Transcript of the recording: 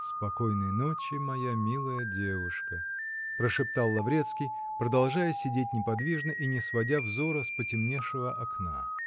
"Спокойной ночи, моя милая девушка", -- прошептал Лаврецкий, продолжая сидеть неподвижно и не сводя взора с потемневшего окна.